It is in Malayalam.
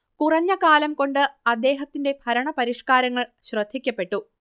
കുറഞ്ഞ കാലം കൊണ്ട് അദ്ദേഹത്തിന്റെ ഭരണ പരിഷ്കാരങ്ങൾ ശ്രദ്ധിക്കപ്പെട്ടു